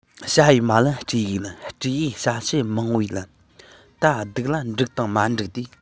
བྱ ཡི མ ལན སྤྲེའུས ལན སྤྲེའུ བྱ བྱེད མང བས ལན ད སྡུམ ལ འགྲིག དང མ འགྲིག དེ